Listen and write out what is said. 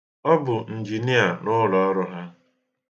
Ọ bụ njinia n'ụlọọrụ ha.